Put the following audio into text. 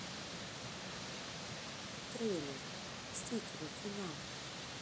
трейлер мстители финал